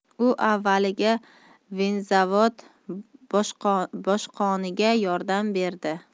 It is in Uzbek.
u avvaliga vinzavod boshqoniga yordam berdi